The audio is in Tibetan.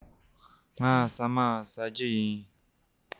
ལྟོ བཟའ རྒྱུ ཡིན